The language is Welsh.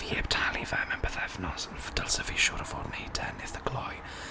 Fi heb talu fe mewn pythefnos. F- dylse fi siŵr o fod wneud e'n ithe gloi.